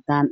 cadaan